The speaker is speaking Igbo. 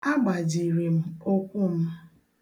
A gbajiri m ụkwụ m.